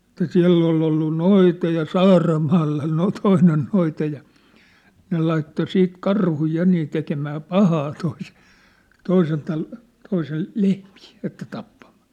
että siellä oli ollut noita ja Saaramaalla - toinen noita ja ne laittoi sitten karhuja ja niin tekemään pahaa - toisen - toisen lehmiä että tappamaan